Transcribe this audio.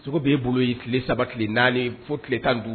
Sogo be e bolo ye tile 3 tile 4 fo tile 15